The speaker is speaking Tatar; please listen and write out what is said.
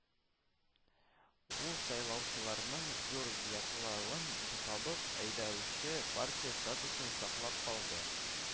Ул, сайлаучыларның зур яклавын табып, әйдәүче партия статусын саклап калды